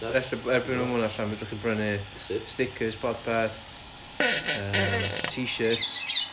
ella erbyn hwn ma' hwnna'n allan fedrwch chi brynu stickers Podpeth yym t-shirts